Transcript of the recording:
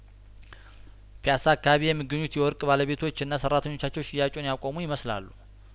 ፒያሳ አካባቢ የሚገኙት የወርቅ ቤት ባለቤቶችና ሰራተኞቻቸው ሽያጩን ያቆሙ ይመስላሉ